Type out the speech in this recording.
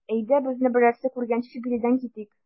Әйдә, безне берәрсе күргәнче биредән китик.